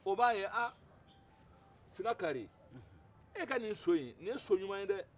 o b'a ye ah fikakaari e ka nin so in nin ye so ɲuman ye dɛ